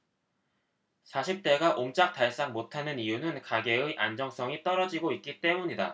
사십 대가 옴짝달싹 못하는 이유는 가계의 안정성이 떨어지고 있기 때문이다